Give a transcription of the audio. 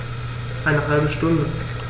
Eine halbe Stunde